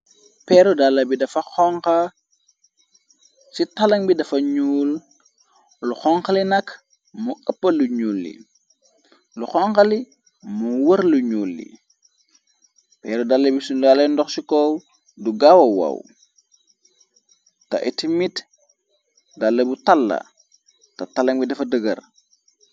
Peeru dala bi dafa xonxa ci talaŋ bi dafa ñuul lu xonxali nakk moo ëppal lu ñuul li lu xonxali moo wër lu ñuul li peeru dala bi sulale ndox ci koow du gaawa waw te iti mit dala bu talla te talaŋ bi dafa dëgar.